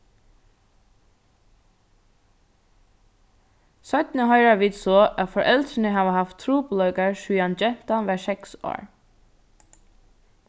seinni hoyra vit so at foreldrini hava havt trupulleikar síðani gentan var seks ár